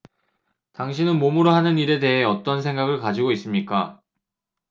당신은 몸으로 하는 일에 대해 어떤 생각을 가지고 있습니까